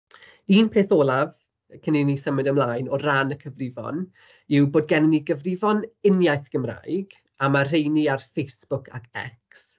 Un peth olaf cyn i ni symud ymlaen o ran y cyfrifon, yw bod gennyn ni gyfrifon uniaith Gymraeg, a ma'r rheini ar Facebook ac X.